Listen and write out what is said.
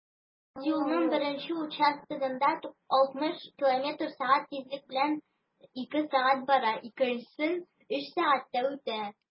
Поезд юлның беренче участогында 60 км/сәг тизлек белән 2 сәг. бара, икенчесен 3 сәгатьтә үтә.